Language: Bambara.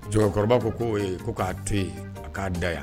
Cɛkɔrɔbakɔrɔba ko ko ko k'a tɛ yen a k'a da yan